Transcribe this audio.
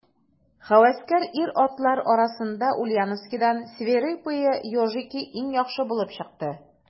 Һәвәскәр ир-атлар арасында Ульяновскидан «Свирепые ежики» иң яхшы булып чыкты.